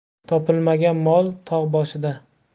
topilmagan mol tog' boshida